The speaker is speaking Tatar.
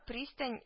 Пристань